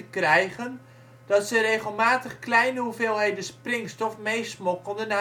krijgen dat ze regelmatig kleine hoeveelheden springstof meesmokkelden